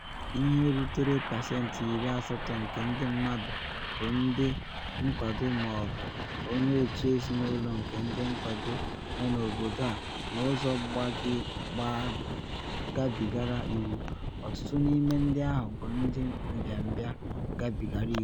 “Ihe rutere pasentị 80 nke ndị mmadụ bụ ndị nkwado ma ọ bụ onye otu ezinụlọ nke ndị nkwado nọ n’obodo a n’ụzọ gabigara iwu, ọtụtụ n’ime ndị ahụ bụ ndị mbịambịa gabigara iwu.